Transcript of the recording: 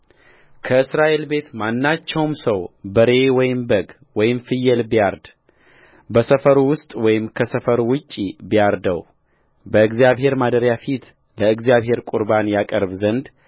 ከእስራኤል ቤት ማናቸውም ሰው በሬ ወይም በግ ወይም ፍየል ቢያርድ በሰፈሩ ውስጥ ወይም ከሰፈሩ ውጭ ቢያርደውበእግዚአብሔር ማደሪያ ፊት ለእግዚአብሔር ቍርባን ያቀርብ ዘንድ